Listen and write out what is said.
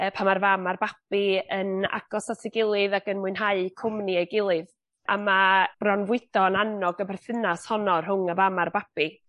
yy pan ma'r fam a'r babi yn agos at ei gilydd ag yn mwynhau cwmni ei gilydd a ma' bronfwydo yn annog y berthynas honno rhwng y fam a'r babi.